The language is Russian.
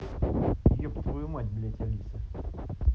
еб твою мать блядь алиса